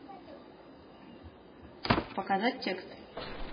показать текст